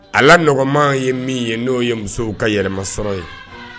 A nɔgɔma ye min ye n'o ye musow ka yɛlɛmamasɔrɔ ye